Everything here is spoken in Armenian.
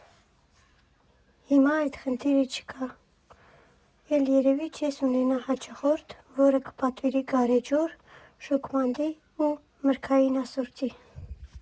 Հիմա այդ խնդիրը չկա, էլ երևի չես ունենա հաճախորդ, որը կպատվիրի գարեջուր, շոկմանժե ու մրգային ասորտի։